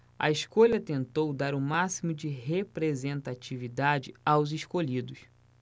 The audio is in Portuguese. a escolha tentou dar o máximo de representatividade aos escolhidos